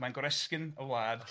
Mae'n goresgyn y wlad.